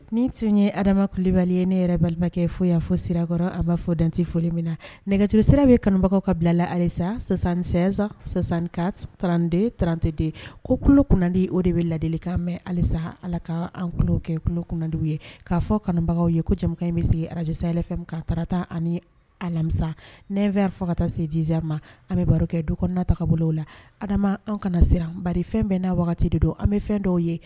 Nin tun ye ha adama kulibali ye ne yɛrɛ balimakɛ foyi y'a fɔ sirakɔrɔ a b'a fɔ dante foli min na nɛgɛjururo sira bɛ kanbagaw ka bilala alesasan san-san ka trante trante de ko kulu kunnadi o de bɛ ladili kan an bɛ halisa ala ka an kɛ kundi ye k kaa fɔ kanubagaw ye ko cɛman in bɛ se arajsay ka tagata ani alamisa n nfɛ faga kata sediz ma an bɛ baro kɛ du kɔnɔ ta bolo la adama an kana siran ba fɛn bɛɛna wagati de don an bɛ fɛn dɔw ye